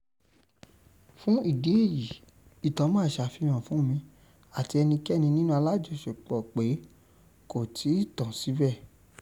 Fún ìdí èyí ìtàn máa ṣàfihàn fún mi àti ẹnikẹ́ni nínú alájọṣepọ̀ pe kò tíì tán síbẹ.